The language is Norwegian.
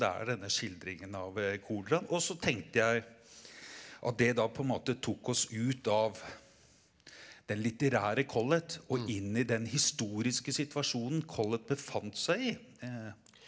det er denne skildringen av koleraen og så tenkte jeg at det da på en måte tok oss ut av den litterære Collett og inn i den historiske situasjonen Collett befant seg i .